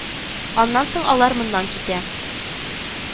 Аннан соң алар моннан китә